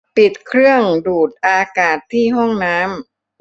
ปิดเครื่องดูดอากาศที่ห้องน้ำ